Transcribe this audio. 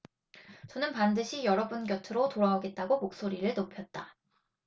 저는 반드시 여러분 곁으로 돌아오겠다고 목소리를 높였다